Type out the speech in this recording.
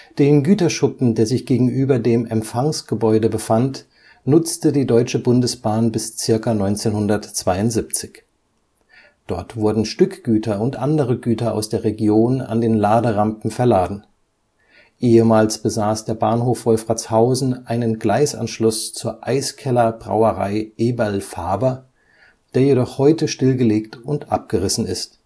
Den Güterschuppen, der sich gegenüber dem Empfangsgebäude befand, nutzte die Deutsche Bundesbahn bis circa 1972. Dort wurden Stückgüter und andere Güter aus der Region an den Laderampen verladen. Ehemals besaß der Bahnhof Wolfratshausen einen Gleisanschluss zur Eiskeller Brauerei Eberl-Faber, der jedoch heute stillgelegt und abgerissen ist